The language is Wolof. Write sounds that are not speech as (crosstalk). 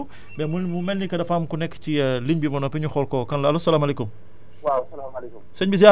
defe naa ni donc si lañ lañ war a ñëw (breath) mais (noise) mu mel ni que dafa am ku nekk ci (hesitation) ligne bi boo noppee ñu xool kooku kan la allo salaamaaleykum